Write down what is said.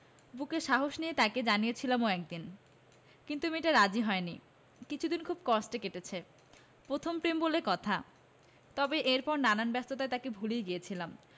বুকে সাহস নিয়ে তাকে জানিয়েছিলামও একদিন কিন্তু মেয়েটা রাজি হয়নি কিছুদিন খুব কষ্টে কেটেছে প্রথম প্রেম বলে কথা তবে এরপর নানান ব্যস্ততায় তাকে ভুলেই গিয়েছিলাম